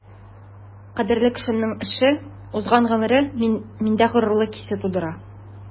Кадерле кешемнең эше, узган гомере миндә горурлык хисе тудыра.